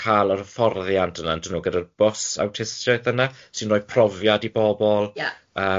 cal yr hyfforddiant yna o'dyn nhw gyda'r bws awtistiaeth yna sy'n rhoi profiad i bobl ie yym